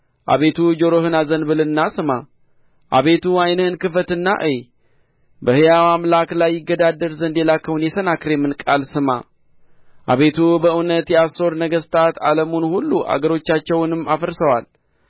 አቤቱ ጆሮህን አዘንብልና ስማ አቤቱ ዓይንህን ክፈትና እይ በሕያው አምላክ ላይ ይገዳደር ዘንድ የላከውን የሰናክሬም ቃል ስማ አቤቱ በእውነት የአሦር ነገሥታት ዓለሙን ሁሉ አገሮቻቸውንም አፍርሰዋል